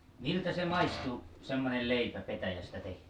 miltä se maistui semmoinen leipä petäjästä tehty